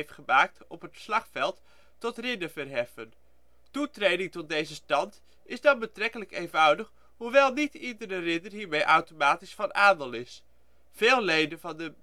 gemaakt op het slagveld tot ridder verheffen. Toetreding tot deze stand is dan betrekkelijk eenvoudig hoewel niet iedere ridder hiermee automatisch van adel is. Veel leden van de